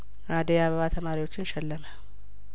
አደይ አበባ ተማሪዎችን ሸለመ